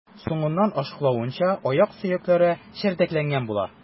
Соңыннан ачыклануынча, аяк сөякләре чәрдәкләнгән була.